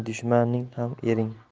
dushmaning ham ering